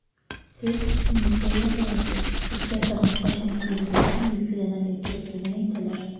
Сез исемлеккә языласыз, сезгә тагын кайчан килергә һәм билгеләнергә кирәклеген әйтәләр.